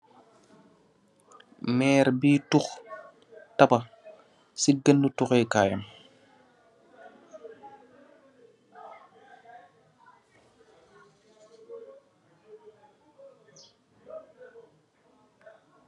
Meer bii tukh tabah, si geuneuh tukhee kaayam.